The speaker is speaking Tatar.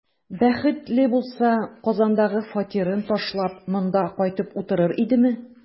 Бәхетле булса, Казандагы фатирын ташлап, монда кайтып утырыр идеме?